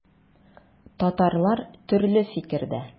Татарлар төрле фикердә.